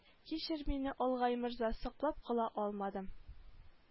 Кичер мине алгай морза саклап кала алмадым